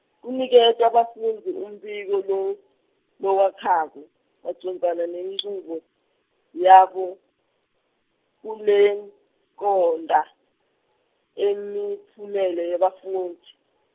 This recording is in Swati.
kuniketa bafundzi umbiko low-, lowakhako macondzana nenchubo yabo, Kurekhoda imiphumela yebafundzi.